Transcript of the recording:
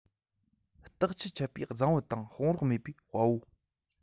ལྟག ཆུ ཆད པའི རྫིང བུ དང དཔུང རོགས མེད པའི དཔའ བོ